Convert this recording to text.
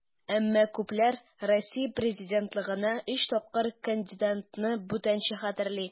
Әмма күпләр Россия президентлыгына өч тапкыр кандидатны бүтәнчә хәтерли.